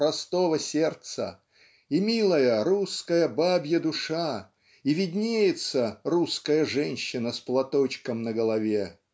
простого сердца и милая русская бабья душа и виднеется русская женщина с платочком на голове.